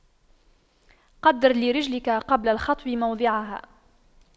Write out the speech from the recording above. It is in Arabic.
قَدِّرْ لِرِجْلِكَ قبل الخطو موضعها